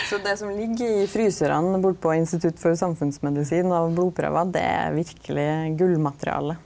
så det som ligg i frysarane borte på Institutt for samfunnsmedisin av blodprøvar det er verkeleg gullmateriale.